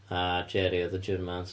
A Gerry oedd y Germans.